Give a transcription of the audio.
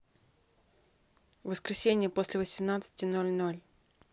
воскресенье после восемнадцати ноль ноль